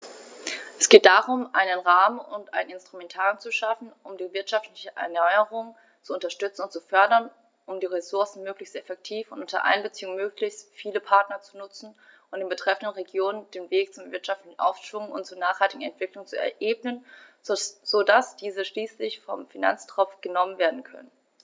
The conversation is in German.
Es geht darum, einen Rahmen und ein Instrumentarium zu schaffen, um die wirtschaftliche Erneuerung zu unterstützen und zu fördern, um die Ressourcen möglichst effektiv und unter Einbeziehung möglichst vieler Partner zu nutzen und den betreffenden Regionen den Weg zum wirtschaftlichen Aufschwung und zur nachhaltigen Entwicklung zu ebnen, so dass diese schließlich vom Finanztropf genommen werden können.